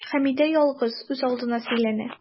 Хәмидә ялгыз, үзалдына сөйләнә.